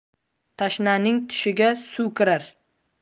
tashnaning tushiga suv kirar